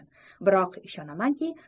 biroq ishonamanki